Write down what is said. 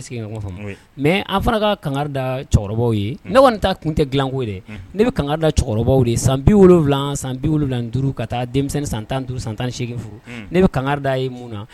Est ce que an ye ɲɔgɔn faamu, Mais an fana ka kangari da cɛkɔrɔbaw ye, ne kɔni ta kun tɛ dilanko ye dɛ, ne bɛ kangari da cɛkɔrɔbaw de ye san 70, san bi 75 ka taa denmisɛnnin san 15 san 18 furu, ne bɛ kangari d'a ye mun na